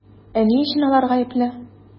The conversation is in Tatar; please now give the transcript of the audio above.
Ә ни өчен алар гаепле?